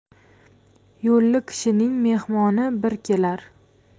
yo'lli kishining mehmoni bir kelar